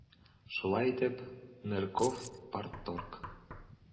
Шулай итеп, Нырков - парторг.